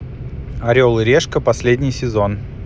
орел и решка последний сезон